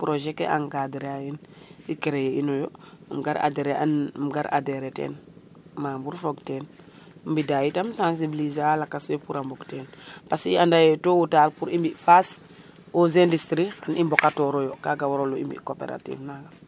projet ke encadrer a in i creer o yo ino yo im gar aderan um gar adhérer ten membre fog teen mbida itam sensibliser lakas ke pour a mbong ten parce i anda ye tot ou tard pour i mbi face aux industrie xan i mboka toroyo kaga wara lou i mbi cooperative nana